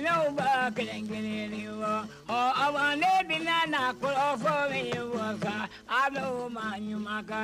Ne ba kelen kelen wa ɔ ne bɛna nakɔrɔ fɔ min wa a ma ɲuman